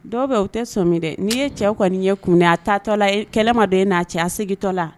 Dɔw bɛ o tɛ sɔmin dɛ n'i ye cɛ kɔni ɲɛ kumunen ye a taatɔ la kɛlɛ ma don e n'a cɛ, a segintɔ la